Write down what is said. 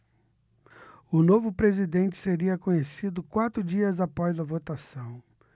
o novo presidente seria conhecido quatro dias após a votação